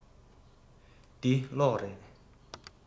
འདི གློག རེད